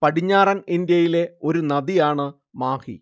പടിഞ്ഞാറൻ ഇന്ത്യയിലെ ഒരു നദിയാണ് മാഹി